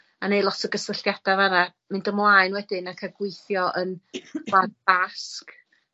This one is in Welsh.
a neud lot o gysylltiada fan 'na. Mynd ymlaen wedyn ac yn gweithio yn Wlad Basg.